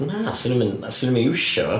Na, 'swn i'm yn... 'swn i'm yn iwsio fo.